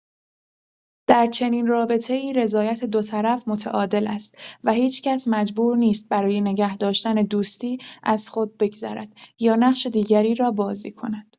در چنین رابطه‌ای رضایت دو طرف متعادل است و هیچ‌کس مجبور نیست برای نگه‌داشتن دوستی از خود بگذرد یا نقش دیگری را بازی کند.